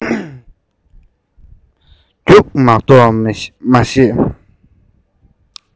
རྒྱུགས མ གཏོགས མི ཤེས